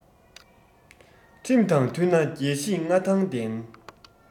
ཁྲིམས དང མཐུན ན རྒྱལ གཞིས མངའ ཐང ལྡན